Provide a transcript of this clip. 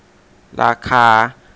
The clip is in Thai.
ราคา